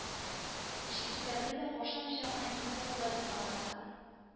Чикерткә бер дә каушамыйча гына егеткә болай дип аңлаткан: